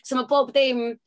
So mae bob dim...